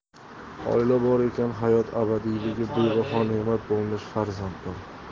oila bor ekan hayot abadiyligi bebaho ne'mat bo'lmish farzand bor